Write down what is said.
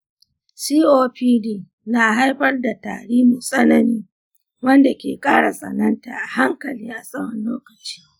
copd na haifar da tari mai tsanani wanda ke ƙara tsananta a hankali a tsawon lokaci.